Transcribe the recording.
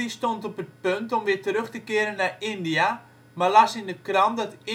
stond op het punt om weer terug te keren naar India, maar las in de krant dat